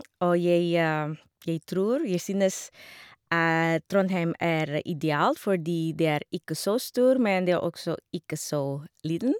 Og jeg jeg tror jeg synes Trondheim er ideal, fordi det er ikke så stor, men det er også ikke så liten.